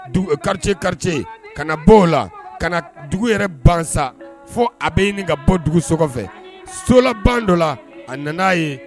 Dugu kari kari ka na bɔ o la ka dugu yɛrɛ ban fo a bɛ ɲini ka bɔ dugu so kɔfɛ sola ban dɔ la a nana aa ye